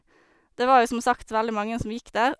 Det var jo som sagt veldig mange som gikk der.